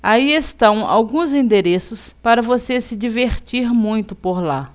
aí estão alguns endereços para você se divertir muito por lá